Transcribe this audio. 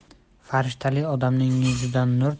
farishtali odamning yuzidan